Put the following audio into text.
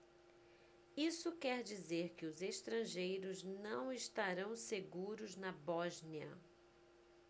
isso quer dizer que os estrangeiros não estarão seguros na bósnia